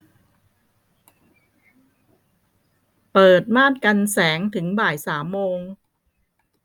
เปิดม่านกันแสงถึงบ่ายสามโมง